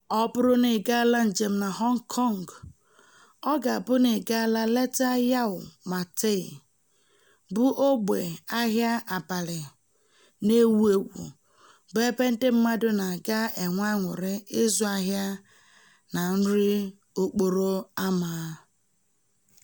Ọ bụrụ na ị gaala njem na Hong Kong, ọ ga-abụ na ị gaala leta Yau Ma Tei, bụ ógbè ahịa abalị na-ewu ewu bụ ebe ndị mmadụ na-aga enwe aṅụrị ịzụ ahịa na nri okporo ámá.